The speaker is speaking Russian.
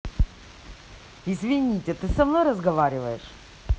извините ты со мной разговариваешь